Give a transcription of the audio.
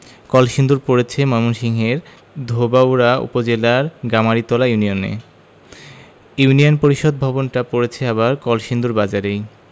কলসিন্দুর পড়েছে ময়মনসিংহের ধোবাউড়া উপজেলার গামারিতলা ইউনিয়নে ইউনিয়ন পরিষদ ভবনটা পড়েছে আবার কলসিন্দুর বাজারেই